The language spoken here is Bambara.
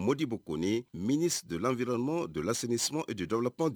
Mɔdibo Konɛ ministre de l'Environnement de l'assainissement et du développement